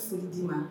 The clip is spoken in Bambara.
Se d'i ma